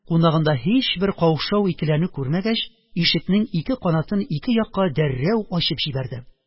Кунагында һичбер каушау-икеләнү күрмәгәч, ишекнең ике канатын ике якка дәррәү ачып җибәрде.